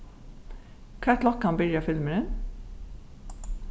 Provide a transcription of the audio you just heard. hvat klokkan byrjar filmurin